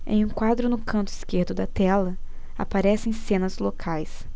em um quadro no canto esquerdo da tela aparecem cenas locais